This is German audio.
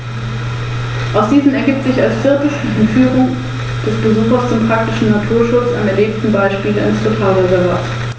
In seiner östlichen Hälfte mischte sich dieser Einfluss mit griechisch-hellenistischen und orientalischen Elementen.